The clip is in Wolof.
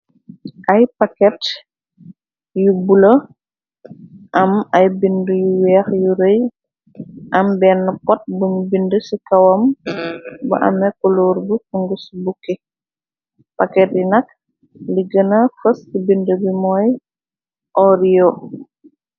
Ay paket yu bula, am ay bind yu weex yu rëy, am benn pot buñ bind ci kawam, bu ame kuloor bu fungu ci bukke, paket yi nak li gëna fëst bind bi mooy orio.